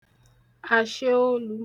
ashẹolū